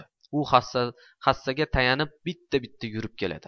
u hassaga tayanib bitta bitta yurib keladi